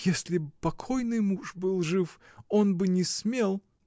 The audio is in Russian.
Если б покойный муж был жив, он бы не смел.